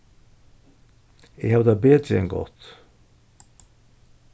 eg havi tað betri enn gott